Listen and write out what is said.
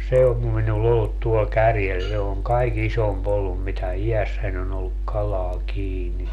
se on minulla ollut tuolla kärjellä se on kaikkein isompi ollut mitä iässäni on ollut kalaa kiinni